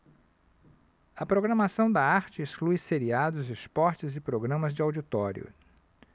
a programação da arte exclui seriados esportes e programas de auditório